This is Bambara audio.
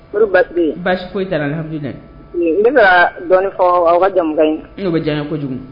Ba pa foyi taara n dɛ ne bɛ dɔn fɔ jamu in neo bɛ diya ye kojugu